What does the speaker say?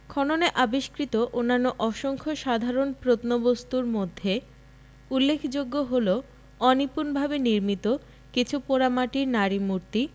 খননে আবিষ্কৃত অন্যান্য অসংখ্য সাধারণ প্রত্নবস্ত্তর মধ্যে উল্লেখযোগ্য হলো অনিপুণভাবে নির্মিত কিছু পোড়ামাটির নারীমূর্তি